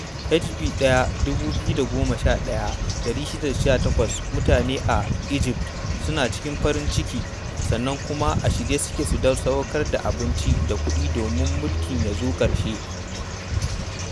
HB_1_2011: 618:mutane a Egyth suna cikin farin ciki sannan kuma a shirye suke su sadaukar da abinci da kuɗi domin mulkin ya zo ƙarshe#jan25#egypt.